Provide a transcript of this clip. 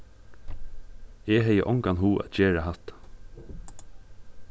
eg hevði ongan hug at gera hatta